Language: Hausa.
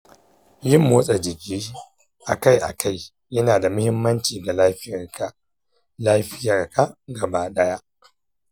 yin motsa jiki a kai a kai yana da mahimmanci ga lafiyarka gaba ɗaya.